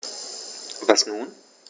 Was nun?